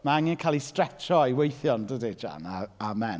Ma' angen cael ei stretsio a'i weithio yn dydi, Jan? A- amen.